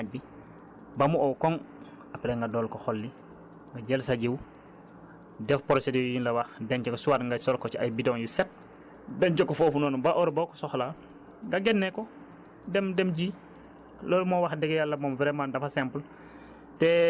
donc baax na d' abord boo récolter fexeel nga weer ko ci naaj bi ba mu ow koŋŋ après nga doog ko xolli nga jël sa jiwu def procédures yi nga wax denc ko soit nga sol ko si ay bidons yu set denc ko foofu noonu ba heure boo ko soxlaa nga génnee ko dem dem ji